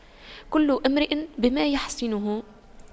كل امرئ بما يحسنه